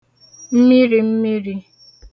mmirīmmirī